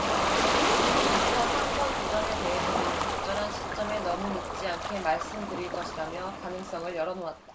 도지사 삼 선 도전에 대해서는 적절한 시점에 너무 늦지 않게 말씀 드릴 것이라며 가능성을 열어놓았다